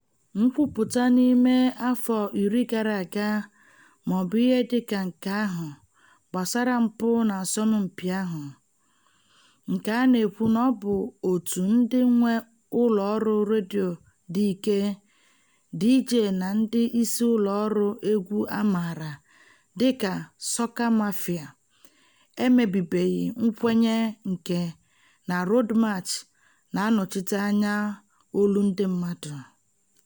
Nkwupụta n'ime afọ iri gara aga ma ọ bụ ihe dị ka nke ahụ gbasara mpụ n'asọmpi ahụ — nke a na-ekwu na ọ bụ òtù ndị nwe ụlọ ọrụ redio dị ike, DJ na ndị isi ụlọ ọrụ egwu a maara dị ka "sọka mafia" — emebibeghị nkwenye nke na Road March na-anọchite anya olu ndị mmadụ.